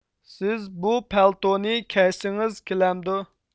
سىز بۇ پەلتونى كەيسىڭىز كېلەمدۇ